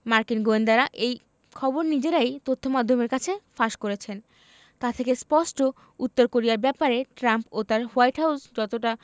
মার্কিন গোয়েন্দারা এই খবর নিজেরাই তথ্যমাধ্যমের কাছে ফাঁস করেছেন তা থেকে স্পষ্ট উত্তর কোরিয়ার ব্যাপারে ট্রাম্প ও তাঁর হোয়াইট হাউস যতটা